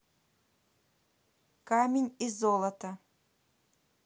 камень и золото